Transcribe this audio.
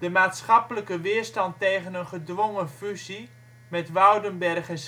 maatschappelijke weerstand tegen een gedwongen fusie met Woudenberg en